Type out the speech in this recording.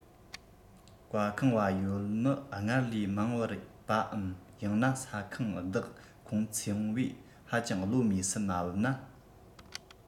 བཀའ ཁང བ ཡོད མི སྔར ལས མང བར པའམ ཡང ན ས ཁང བདག ཁོངས ཚོང པས ཧ ཅང བློ མོས སུ མ བབས ན